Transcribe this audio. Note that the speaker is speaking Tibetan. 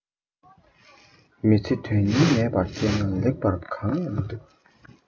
མི ཚེ དོན རྙིང མེད པར སྐྱལ ན ལེགས པ གང ཡང མི ཡིན